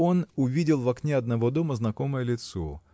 он увидел в окне одного дома знакомое лицо.